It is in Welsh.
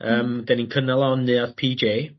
Yym 'dyn ni'n cynnal o yn neuadd Pee Jay.